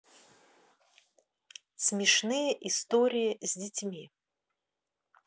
смешные истории с детьми